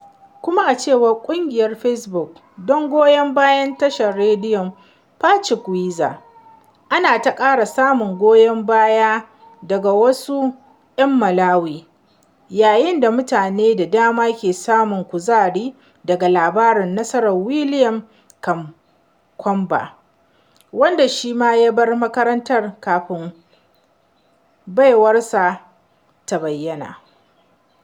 Kuma, a cewar ƙungiyar Facebook "don goyon bayan Tashar Rediyon Pachikweza," ana ta ƙara samun goyon baya daga wasu 'yan Malawi, yayin da mutane da dama ke samun kuzari daga labarin nasarar William Kamkwamba, wanda shi ma ya bar makaranta kafin baiwar sa ta bayyana.